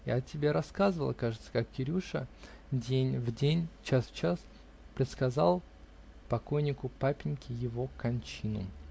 я тебе рассказывала, кажется, как Кирюша день в день, час в час предсказал покойнику папеньке его кончину.